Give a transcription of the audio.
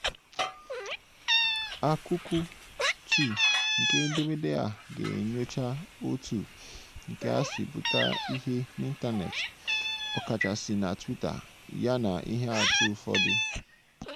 Akụkụ II nke edemede a ga-enyocha otú nke a si pụta ihe n'ịntaneetị, ọkachasị na Twitter, yana ihe atụ ụfọdụ.